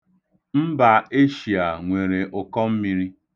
Mba Eshịa nwere ụkọmmiri.